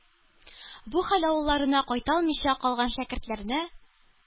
Бу хәл авылларына кайта алмыйча калган шәкертләрне